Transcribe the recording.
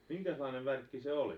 minkäslainen värkki se oli